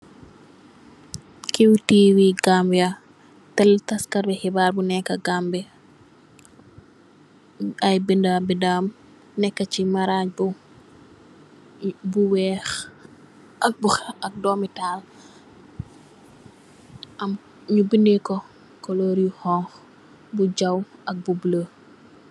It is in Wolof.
QTV Gambiya, tele taskati xibaar bu nekk Gambi, ay binde, bindem nekk si maraaj bu, bu weex ak bu domitahal, am nyun binde ko kolor yu xonxa, bu jaw, ak bu bula